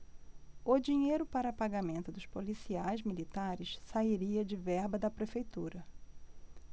o dinheiro para pagamento dos policiais militares sairia de verba da prefeitura